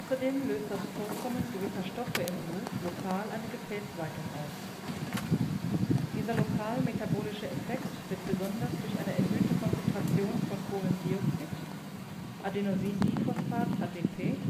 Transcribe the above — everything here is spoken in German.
Außerdem löst das Vorkommen gewisser Stoffe im Blut lokal eine Gefäßweitung aus. Dieser lokal-metabolische Effekt wird besonders durch eine erhöhte Konzentration von Kohlendioxid, ADP